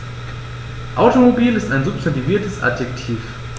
Automobil ist ein substantiviertes Adjektiv.